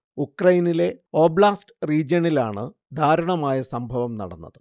ഉക്രെയിനിലെ oblast റീജിയണിലാണ് ദാരുണമായ സംഭവം നടന്നത്